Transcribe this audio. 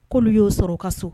K'olu y'o sɔrɔ ka so